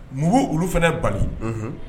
Mugu olu fana bali